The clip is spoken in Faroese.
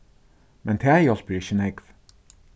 men tað hjálpir ikki nógv